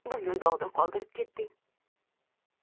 bizni dog'da qoldirib ketding